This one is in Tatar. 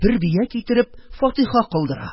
Бер бия китереп, фатыйха кылдыра?!